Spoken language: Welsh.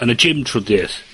yn y gym trw'r dydd.